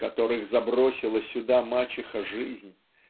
которых забросила сюда мачеха жизнь